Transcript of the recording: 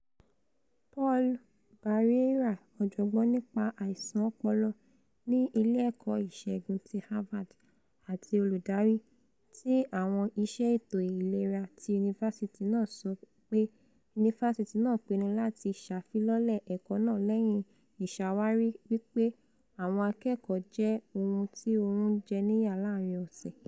Paul Barreira, ọ̀jọ̀gbọ́n nípa ìlera ọpọlọ ní ilé ẹ̀kọ́ ìṣègùn ti Harvard àti olùdarí àgbà fún àwọn iṣẹ́ ìlera ti yunifásítì náà, sọ pé yunifásítì náà pinnu láti ṣàfilọ́lẹ̀ ìdánilẹ́kọ̀ọ́ náà sílẹ̀ lẹ́yìn tí ó rí i pé àwọn akẹ́kọ̀ọ́ kò sùn dáadáa láàárín ọ̀sẹ̀.